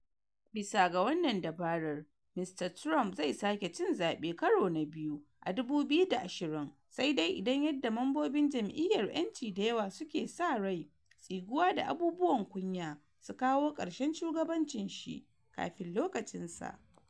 Bisa ga wannan dabarar, Mr. Trump zai sake cin zabe karo na biu a 2020 sai dai idan, yadda mambobin jam’iyyar ‘yanci da yawa suke sa rai, tsiguwa da abubuwan kunya sun kawo karshen shugabancin shi kafin lokacin sa.